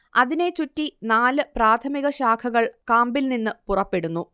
അതിനെ ചുറ്റി നാല് പ്രാഥമിക ശാഖകൾ കാമ്പിൽ നിന്ന് പുറപ്പെടുന്നു